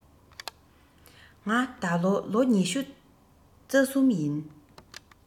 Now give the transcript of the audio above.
ང ད ལོ ལོ ཉི ཤུ རྩ གསུམ ཡིན